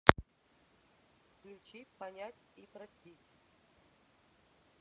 включи понять и простить